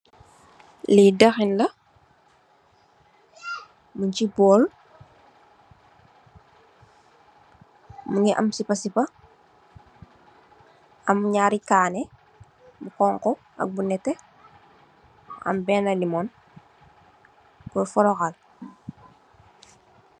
Li dahenn la, mung ci bool. Mungi am sipa-sipa, am ñaari kanè bu honku ak bu nètè, am benna limon purr forohal.